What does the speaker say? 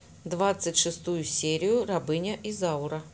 двадцать шестую серию рабыня изаура